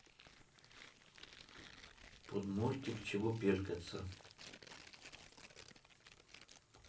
под мультик чебупелькаться